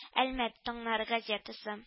Әлмәт таңнары газетасы